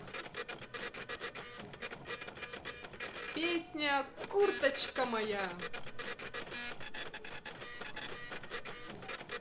песня курточка моя